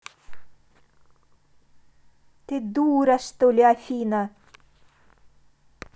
ты дура что ли афина